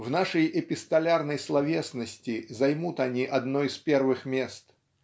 В нашей эпистолярной словесности займут они одно из первых мест.